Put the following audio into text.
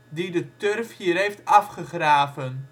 die de turf hier heeft afgegraven